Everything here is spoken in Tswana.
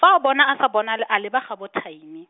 fa a bona a sa bonale a leba gaabo Tiny.